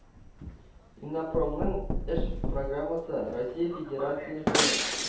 “иннопромның эш программасы россия федерациясенең